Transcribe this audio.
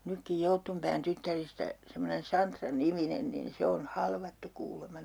nytkin Jouttunpään tyttäristä semmoinen Santra-niminen niin se on halvattu kuulemma